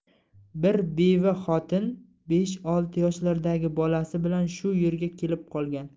bir beva xotin besh olti yoshlardagi bolasi bilan shu yerga kelib qolgan